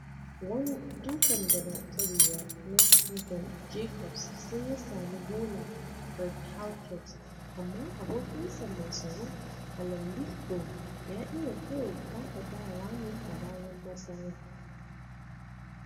Wani dukan da ba tarewa na Keaghan Jacobs sai ya sami gola Craig Halkett amma abokinsa mai tsaro Alan Lithgow ya iya kawai faɗaɗawa ne a bayan matsayar.